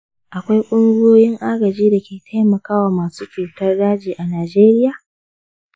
akwai ƙungiyoyin agaji da ke taimaka wa masu cutar daji a najeriya?